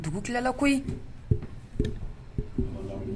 Dugu tilala koyi